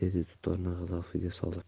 dedi dutorni g'ilofga solib